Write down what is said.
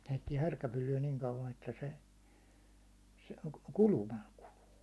heittää härkäpyllyä niin kauan että se se kulumalla kuluu